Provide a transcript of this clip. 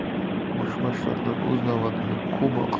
qo'shma shtatlar o'z navbatida